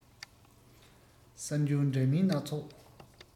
གསར འགྱུར འདྲ མིན སྣ ཚོགས